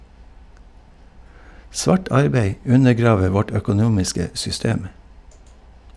Svart arbeid undergraver vårt økonomiske system.